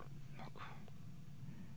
d' accord